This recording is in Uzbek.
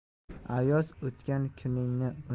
ayoz o'tgan kuningni